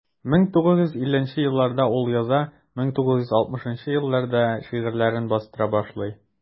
1950 елларда ул яза, 1960 елларда шигырьләрен бастыра башлый.